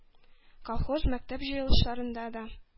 Колхоз, мәктәп җыелышларында да,